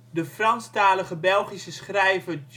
De franstalige Belgische schrijver